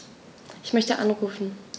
Ich möchte anrufen.